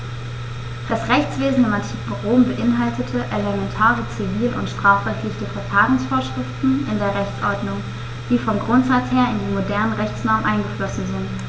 Das Rechtswesen im antiken Rom beinhaltete elementare zivil- und strafrechtliche Verfahrensvorschriften in der Rechtsordnung, die vom Grundsatz her in die modernen Rechtsnormen eingeflossen sind.